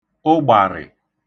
ụgbàrị̀